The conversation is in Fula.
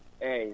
eeyi